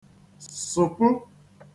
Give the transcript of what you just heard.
sụ̀pu